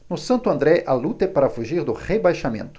no santo andré a luta é para fugir do rebaixamento